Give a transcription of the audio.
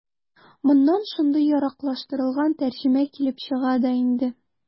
Моннан шундый яраклаштырылган тәрҗемә килеп чыга да инде.